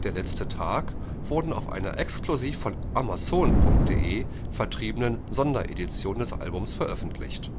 letzte Tag wurden auf einer exklusiv von amazon.de vertriebenen Sonderedition des Albums veröffentlicht